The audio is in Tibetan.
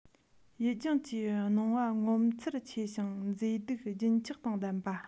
ཡུལ ལྗོངས ཀྱི སྣང བ ངོ མཚར ཆེ ཞིང མཛེས སྡུག བརྗིད ཆགས དང ལྡན པ